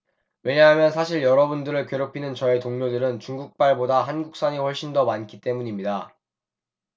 왜냐하면 사실 여러분들을 괴롭히는 저의 동료들은 중국발보다 한국산이 훨씬 더 많기 때문입니다